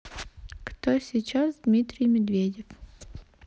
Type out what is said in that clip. кто сейчас дмитрий медведев